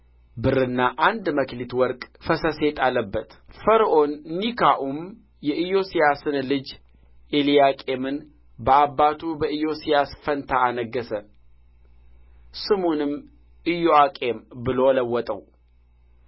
ብርና አንድ መክሊት ወርቅ ፈሰሴ ጣለበት ፈርዖን ኒካዑም የኢዮስያስን ልጅ ኤልያቄምን በአባቱ በኢዮስያስ ፋንታ አነገሠ ስሙንም ኢዮአቄም ብሎ ለወጠው